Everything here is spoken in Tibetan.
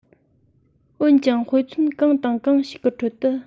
འོན ཀྱང དཔེ མཚོན གང དང གང ཞིག གི ཁྲོད དུ